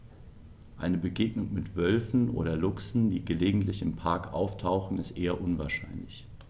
Eine Begegnung mit Wölfen oder Luchsen, die gelegentlich im Park auftauchen, ist eher unwahrscheinlich.